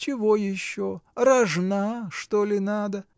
— Чего еще: рожна, что ли, надо?